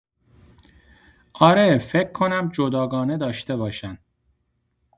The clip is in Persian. اره فکر کنم جداگانه داشته باشن